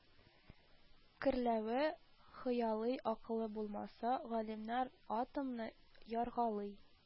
Керләве, хыялый акылы булмаса, галимнәр атомны яргалый